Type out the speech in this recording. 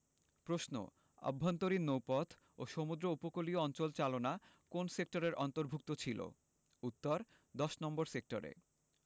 প্রশ্ন আভ্যন্তরীণ নৌপথ ও সমুদ্র উপকূলীয় অঞ্চল চালনা কোন সেক্টরের অন্তভু র্ক্ত ছিল উত্তরঃ ১০ নম্বর সেক্টরে